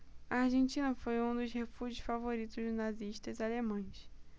a argentina foi um dos refúgios favoritos dos nazistas alemães